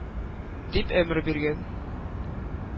— дип әмер биргән.